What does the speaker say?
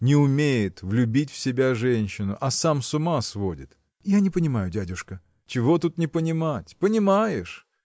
Не умеет влюбить в себя женщину, а сам с ума сводит. – Я не понимаю, дядюшка. – Чего тут не понимать? понимаешь!